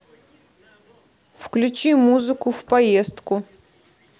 включи музыку в поездку